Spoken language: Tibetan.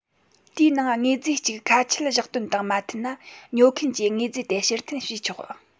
དེའི ནང དངོས རྫས གཅིག ཁ ཆད བཞག དོན དང མ མཐུན ན ཉོ མཁན གྱིས དངོས རྫས དེ ཕྱིར འཐེན བྱས ཆོག